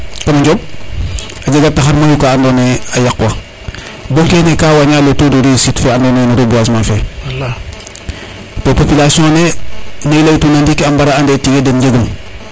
kamo Ndiob a jega taxar mayu ka ando naye a yaq wa bo kene ka waña le taux reussite fe ando naye reboisemnt fe to poputaion ne ne i ley tuna ndiki a mbara ande tiye den njengun